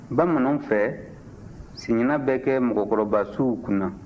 bamananw fɛ siɲɛna bɛ kɛ mɔgɔkɔrɔbasuw kunna